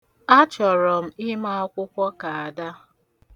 Achọrọ m ịma akwụkwọ ka Ada.